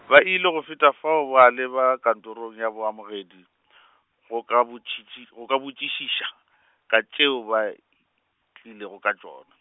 ba ile go feta fao ba leba kantorong ya boamo ge di , go ka botšitši-, go ka botšišiša, ka tšeo ba, tlilego ka tšona.